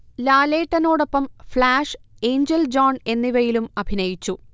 ലാലേട്ടനോടൊപ്പം Flash, Angel John എന്നിവയിലും അഭിനയിച്ചു